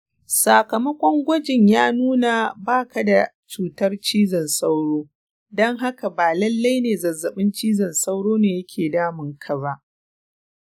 sakamakon gwajin ya nuna ba ka da cutar cizon sauro, don haka ba lallai ne zazzaɓin cizon sauro ne yake damunka ba.